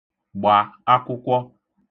gbà akwụkwọ